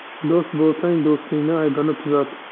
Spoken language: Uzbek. do'st bo'lsang do'stingning aybini tuzat